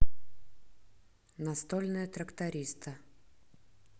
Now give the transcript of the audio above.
настольная тракториста